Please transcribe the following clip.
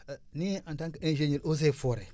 ni ngay en tant que ingénieur eaux et forêt